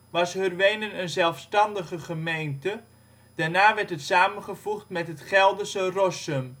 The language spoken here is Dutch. was Hurwenen een zelfstandige gemeente, daarna werd het samengevoegd met het Gelderse Rossum